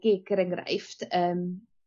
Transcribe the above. GIG er enghraifft yym